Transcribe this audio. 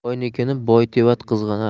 boynikini boytevat qizg'anar